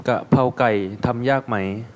กะเพราไก่ทำยากไหม